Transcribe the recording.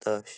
داشت.